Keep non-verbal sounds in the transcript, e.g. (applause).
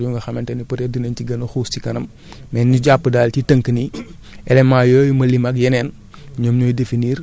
am na tamit yeneen paramètres yu nga xamante ne peut être dinañ ci gën a xuus ci kanam (breath) mais ñu jàpp daal ci tënk ni (coughs) éléments yooyu ma lim ak yeneen